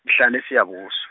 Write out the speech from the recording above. ngihlala eSiyabusw-.